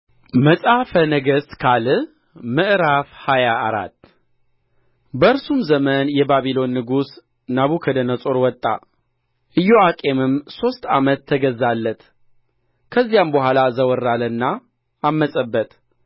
መጽሐፈ ነገሥት ካልዕ ምዕራፍ ሃያ አራት በእርሱም ዘመን የባቢሎን ንጉሥ ናቡከደነዖር ወጣ ኢዮአቄምም ሦስት ዓመት ተገዛለት ከዚያም በኋላ ዘወር አለና ዐመፀበት